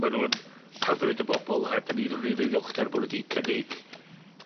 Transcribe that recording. Ma' nw'n hyfryd o bobol a 'dan ni'n rili ddiolchgar bo' nw 'di cynnig...